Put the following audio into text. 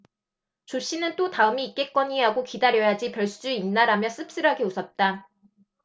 조씨는 또 다음이 있겠거니 하고 기다려야지 별 수 있나라며 씁쓸하게 웃었다